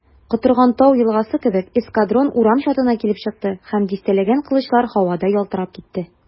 Котырган тау елгасы кебек эскадрон урам чатына килеп чыкты, һәм дистәләгән кылычлар һавада ялтырап китте.